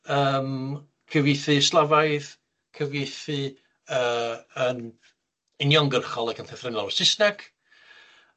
yym cyfieithu slafaidd, cyfieithu yy yn uniongyrchol ac yn llythrennol o'r Sysnag